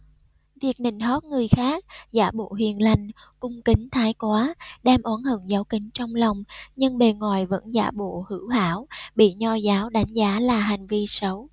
việc nịnh hót người khác giả bộ hiền lành cung kính thái quá đem oán hận giấu kín trong lòng nhưng bề ngoài vẫn giả bộ hữu hảo bị nho giáo đánh giá là hành vi xấu